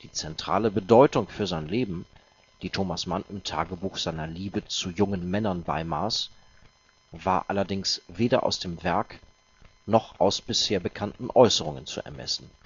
zentrale Bedeutung für sein Leben, die Thomas Mann im Tagebuch seiner Liebe zu jungen Männern beimaß, war allerdings weder aus dem Werk noch aus bisher bekannten Äußerungen zu ermessen